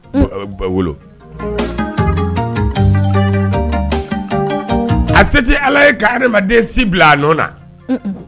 Ba wolo a se tɛ ala ye ka adamaden si bila a nɔ na